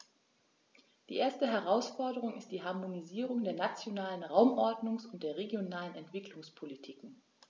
Die erste Herausforderung ist die Harmonisierung der nationalen Raumordnungs- und der regionalen Entwicklungspolitiken.